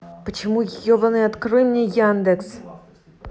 почему ебаный открой мне яндекс